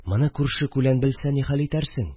Моны күрше-күлән белсә, ни хәл итәрсең